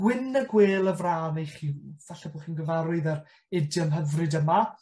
gwyn y gwel y fran ei chyw. Falle bo' chi'n gyfarwydd â'r idiom hyfryd yma.